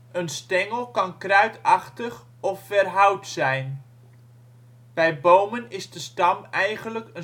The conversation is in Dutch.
Een stengel kan kruidachtig of verhout zijn. Bij bomen is de stam eigenlijk